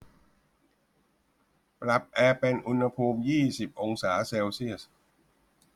ปรับแอร์เป็นอุณหภูมิยี่สิบองศาเซลเซียส